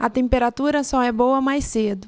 a temperatura só é boa mais cedo